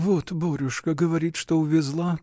— Вот Борюшка говорит, что увезла.